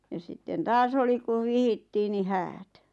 ja sitten taas oli kun vihittiin niin häät